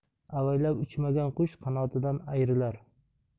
avaylab uchmagan qush qanotidan ayrilar